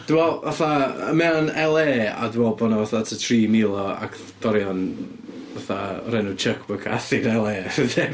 Dwi'n meddwl fatha... mae o'n LA a dwi'n meddwl bod 'na fatha tri mil o actorion, fatha, o'r enw Chuck McCarthy yn LA .